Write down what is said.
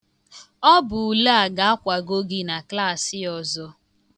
Ọ bụ ule a ga-akwago gị na klaasị ọzọ.